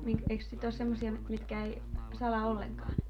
- eikös sitä ole semmoisia nyt mitkä ei sada ollenkaan